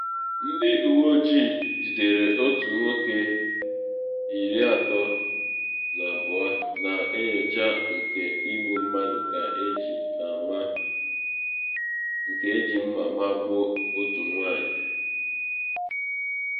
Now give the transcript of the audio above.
Ndị uwe ojii jidere otu nwoke, 32, na nnyocha nke igbu mmadụ ka eji mma magbuo otu nwanyị